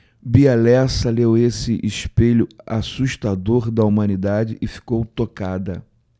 bia lessa leu esse espelho assustador da humanidade e ficou tocada